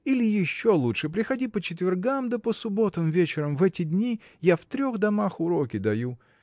— Или еще лучше: приходи по четвергам да по субботам вечером: в эти дни я в трех домах уроки даю.